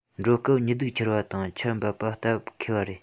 འགྲོ སྐབས ཉི གདུགས ཁྱེར བ དང ཆར བབ པ སྟབས འཁེལ བ རེད